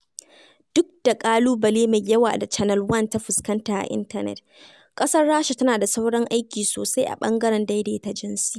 Duk da ƙalubale mai yawa da Channel One ta fuskanta a intanet, ƙasar Rasha tana da sauran aiki sosai a ɓangaren daidaita jinsi.